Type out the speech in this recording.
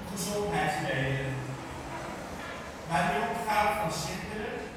gezondheidsredenen. Marion Gout-van Sinderen